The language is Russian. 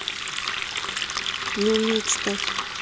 не умею читать